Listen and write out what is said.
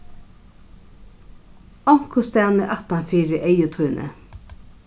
onkustaðni aftan fyri eygu tíni